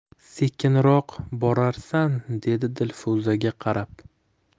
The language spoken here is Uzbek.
sekinroq borarsan dedi dilfuzaga qarab